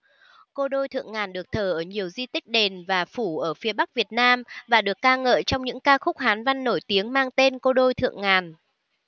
cô đôi thượng ngàn được thờ ở nhiều di tích đền và phủ ở phía bắc việt nam và được ca ngợi trong những ca khúc hát văn nổi tiếng mang tên cô đôi thượng ngàn